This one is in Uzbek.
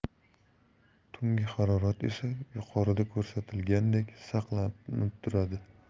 tungi harorat esa yuqorida ko'rsatilgandek saqlanib turadi